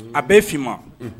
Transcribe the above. A bɛ fma